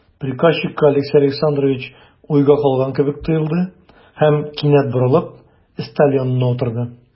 Приказчикка Алексей Александрович уйга калган кебек тоелды һәм, кинәт борылып, өстәл янына утырды.